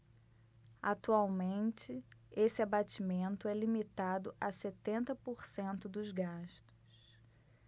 atualmente esse abatimento é limitado a setenta por cento dos gastos